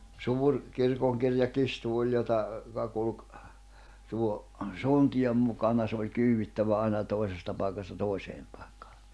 suuri kirkonkirjakirstu oli jota joka kulki tuon suntion mukana se oli kyydittävä aina toisesta paikasta toiseen paikkaan